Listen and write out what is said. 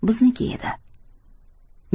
bizniki edi